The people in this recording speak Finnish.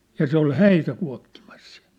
ja se oli häitä kuokkimassa siellä